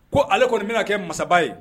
Ko ale kɔni bɛna kɛ masaba ye.